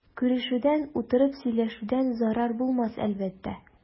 Күрешүдән, утырып сөйләшүдән зарар булмас әлбәттә.